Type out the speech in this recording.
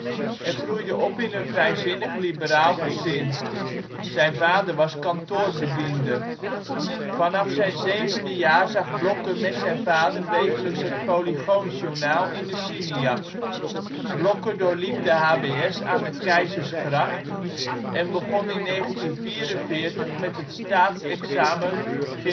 en groeide op in een vrijzinnig-liberaal gezin. Zijn vader was kantoorbediende. Vanaf zijn zevende jaar zag Blokker met zijn vader wekelijks het Polygoon-journaal in de Cineac. Blokker doorliep de H.B.S. aan de Keizersgracht, en begon in 1944 aan het staatsexamen gymnasium-alfa